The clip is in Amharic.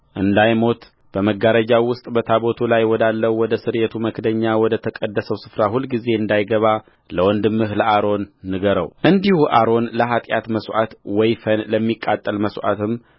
እንዳይሞት በመጋረጃው ውስጥ በታቦቱ ላይ ወዳለው ወደ ስርየቱ መክደኛ ወደ ተቀደሰው ስፍራ ሁልጊዜ እንዳይገባ ለወንድምህ ለአሮን ንገረውእንዲሁ አሮን ለኃጢአት መሥዋዕት ወይፈን ለሚቃጠል መሥዋዕትም